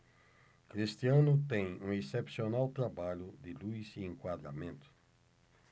cristiano tem um excepcional trabalho de luz e enquadramento